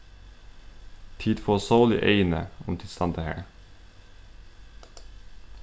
tit fáa sól í eyguni um tit standa har